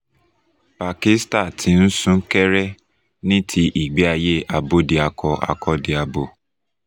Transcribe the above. Pakistan ti ń sún kẹ́rẹ́ ní ti ìgbé ayé Abódiakọ-akọ́diabo.